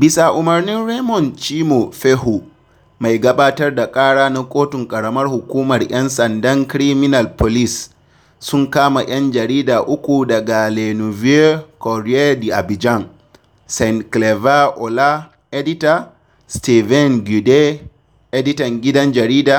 Bisa umarnin Raymond Tchimou Fehou, mai gabatar da ƙara na kotun ƙaramar hukumar, 'yan sandan Criminal Policwe sun kama ‘yan jarida uku daga Le Nouveau Courrier d’Abidjan, Saint Claver Oula, edita, Steéphane Guédé, editan gidan jarida,